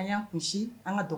An y'an kun an ka dɔgɔ